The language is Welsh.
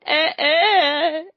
e e y